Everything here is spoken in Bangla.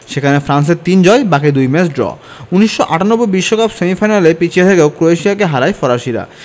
সেখানে ফ্রান্সের তিন জয় বাকি দুই ম্যাচ ড্র ১৯৯৮ বিশ্বকাপ সেমিফাইনালে পিছিয়ে থেকেও ক্রোয়েশিয়াকে হারায় ফরাসিরা